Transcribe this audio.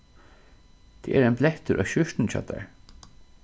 tað er ein blettur á skjúrtuni hjá tær